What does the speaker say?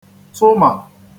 tụmà